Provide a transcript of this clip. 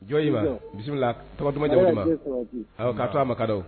Jɔn ma bisimila tɔ dumanjɔ ma ka to a ma ka